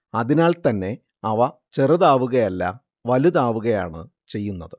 അതിനാൽത്തന്നെ അവ ചെറുതാവുകയല്ല വലുതാവുകയാണ് ചെയ്യുന്നത്